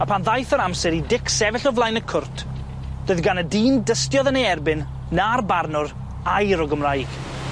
A pan ddaeth yr amser i Dic sefyll o flaen y cwrt, doedd gan y dyn dystiodd yn ei erbyn na'r barnwr air o Gymraeg.